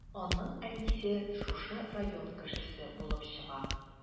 Аның әнисе шушы район кешесе булып чыга.